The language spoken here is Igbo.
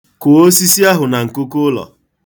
Kụọ osisi ahụ na nkuku ụlọ.